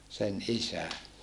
sen isä